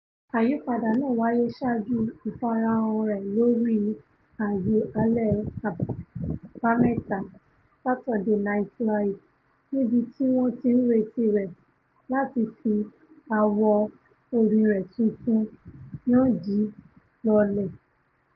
Àyípadà náà wáyé saájú ìfarahàn rẹ̀ lórí Saturday Night Live, níbití wọ́n ti ń reti rẹ̀ láti fi àwo orin rẹ̀ tuntun Yandhi lọ́lẹ̀.